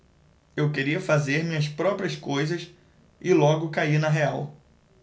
eu queria fazer minhas próprias coisas e logo caí na real